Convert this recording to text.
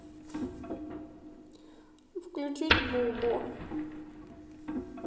включить бубу